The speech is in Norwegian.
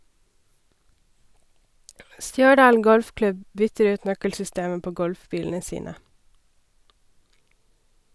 Stjørdal golfklubb bytter ut nøkkelsystemet på golfbilene sine.